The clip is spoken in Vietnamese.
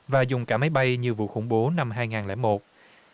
và dùng cả máy bay như vụ khủng bố năm hai ngàn lẻ một